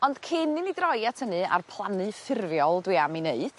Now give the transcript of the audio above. Ond cyn i ni droi at hynny a'r plannu ffurfiol dwi am 'i wneud